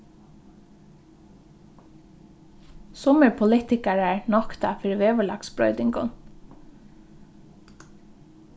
summir politikarar nokta fyri veðurlagsbroytingum